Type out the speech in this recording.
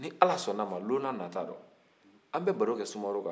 nin ala sɔnn'a ma don dɔ nata la anw bɛ baro kɛ sumaworo kan